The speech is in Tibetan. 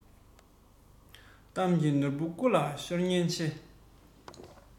གཏམ གྱི ནོར བུ རྐུ ལ ཤོར ཉེན ཆེ